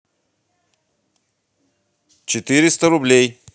четыреста рублей